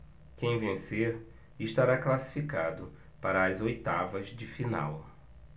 quem vencer estará classificado para as oitavas de final